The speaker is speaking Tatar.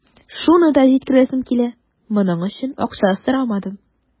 Шуны да җиткерәсем килә: моның өчен акча сорамадым.